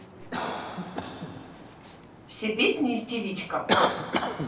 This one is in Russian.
все песни истеричка